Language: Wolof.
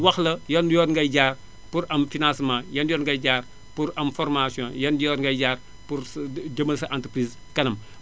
wax la yan yoon ngay jaar pour am financement yan yoon ngay jaar pour am formation yan yoon ngay jaar pour sa jëmal sa entreprise kanam